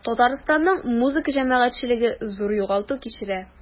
Татарстанның музыка җәмәгатьчелеге зур югалту кичерә.